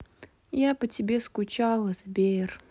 я по тебе скучала сбер